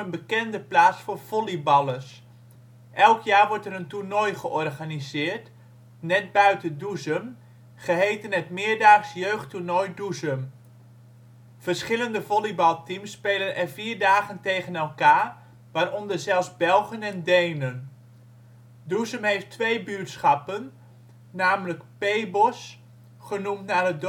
bekende plaats voor volleyballers. Elk jaar wordt er een toernooi georganiseerd, net buiten Doezum, geheten het Meerdaags Jeugdtoernooi Doezum. Verschillende volleybalteams spelen er vier dagen tegen elkaar, waaronder zelfs Belgen en Denen. Doezum heeft twee buurtschappen, namelijk Peebos, genoemd naar het